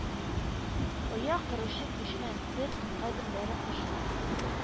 Оя коручы күчмә төр, кайберләре кышлый